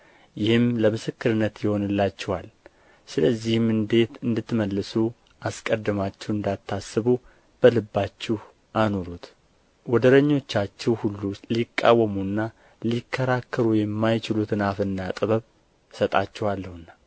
ይህም ለምስክርነት ይሆንላችኋል ሰለዚህ እንዴት እንድትመልሱ አስቀድማችሁ እንዳታስቡ በልባችሁ አኑሩት ወደረኞቻችሁ ሁሉ ሊቃወሙና ሊከራከሩ የማይችሉትን አፍና ጥበብ እሰጣችኋለሁና